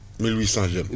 mille huit cent jeunes